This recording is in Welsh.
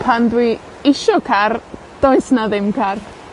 Pan dwi isio car does 'na ddim car.